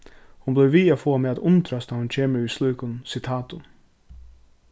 hon blívur við at fáa meg at undrast tá hon kemur við slíkum sitatum